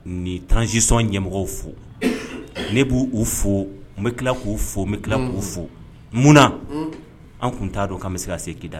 Nin transition ɲɛmɔgɔw fo ne b'u u fo n bɛ tila k'u fo n bɛ tila k'u fo munna an tun t'a dɔn k'an bɛ se ka se Kida